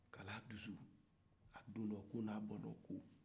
k'a la dusu a donko n'a bɔko